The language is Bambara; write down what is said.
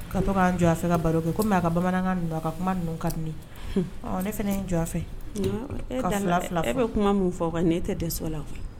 Ka ka jɔ a fɛ ka baro kɛ kɔmi a ka bamanankan ninnu ka kuma ninnu ka tɛmɛ ne fana n jɔ fɛ e fila e bɛ kuma min fɔ nin e tɛ dɛsɛso la